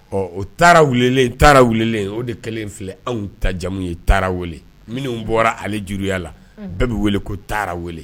Ɔ o taaralen taara welelen o de kɛlen filɛ anw ta jamu ye taara wele minnu bɔra ale juguya la bɛɛ bɛ wele ko taara wele